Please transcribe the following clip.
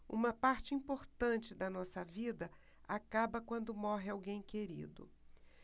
uma parte importante da nossa vida acaba quando morre alguém querido